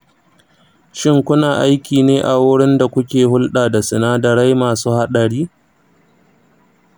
shin kuna aiki ne a wurin da kuke hulɗa da sinadarai masu haɗari?